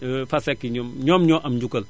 Fatou Seck ñoom ñoom ñoo am njukkal